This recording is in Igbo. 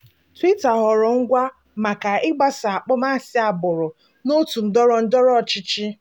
Twitter ghọrọ ngwá maka ịgbasa akpọmasị agbụrụ na òtù ndọrọndọrọ ọchịchị.